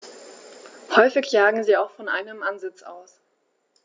Häufig jagen sie auch von einem Ansitz aus.